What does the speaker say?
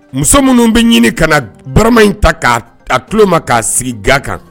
Muso minnu bɛ ɲini ka na barama in ta k'a a kulo ma k'a sigi ga kan.